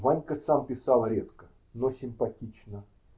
Ванька сам писал редко, но симпатично.